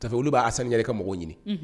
Safɛ olu bɛ Asani yɛrɛ ka mɔgɔw ɲini, unhun